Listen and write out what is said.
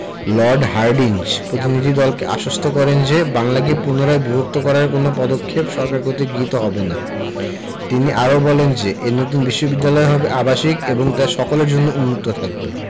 Lord Hardinge প্রতিনিধিদলকে আশ্বস্ত করেন যে বাংলাকে পুনরায় বিভক্ত করার কোনো পদক্ষেপ সরকার কর্তৃক গৃহীত হবে না তিনি আরও বলেন যে এ নতুন বিশ্ববিদ্যালয় হবে আবাসিক এবং তা সকলের জন্য উন্মুক্ত থাকবে